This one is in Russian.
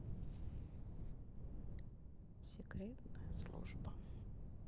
секретная служба